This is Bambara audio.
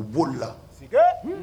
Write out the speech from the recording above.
U bolila